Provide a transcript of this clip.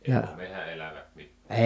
tekikö metsän elävät mitään